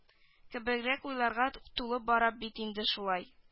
Кебегрәк уйларга тулып барам бит инде шулай